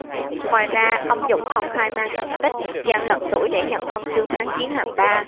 ngoài ra ông dũng còn khai man thành tích gian lận tuổi để nhận huân chương kháng chiến hạng ba